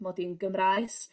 mod i'n Gymraes.